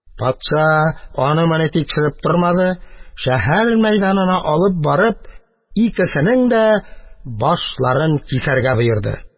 Патша аны-моны тикшереп тормады, шәһәр мәйданына алып барып, икесенең дә башларын кисәргә боерды.